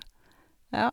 Ja.